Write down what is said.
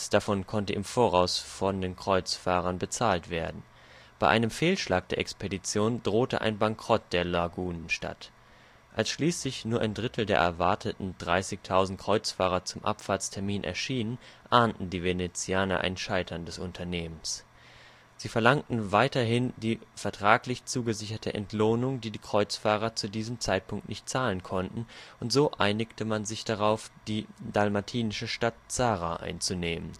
davon konnte im Voraus von den Kreuzfahrern bezahlt werden. Bei einem Fehlschlag der Expedition drohte ein Bankrott der Lagunenstadt. Als schließlich nur ein Drittel der erwarteten 30.000 Kreuzfahrer zum Abfahrtstermin erschienen, ahnten die Venezianer ein Scheitern des Unternehmens. Sie verlangten weiterhin die vertraglich zugesicherte Entlohnung, die die Kreuzfahrer zu diesem Zeitpunkt nicht zahlen konnten, und so einigte man sich darauf, die dalmatinische Stadt Zara einzunehmen